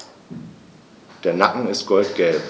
Der Nacken ist goldgelb.